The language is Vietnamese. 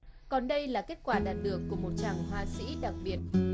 còn đây là kết quả đạt được của một chàng họa sĩ đặc biệt